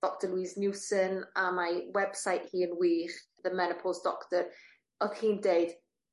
doctor Louis Newson a ma' 'i website hi yn wych The Menopause Doctor o'dd hi'n deud